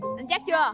chắc chưa